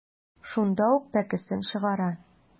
Шунда ул пәкесен чыгара.